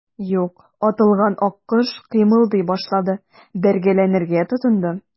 Юк, атылган аккош кыймылдый башлады, бәргәләнергә тотынды.